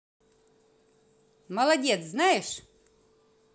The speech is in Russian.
молодец знаешь